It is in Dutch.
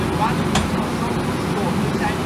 mannetjes van sommige soorten zijn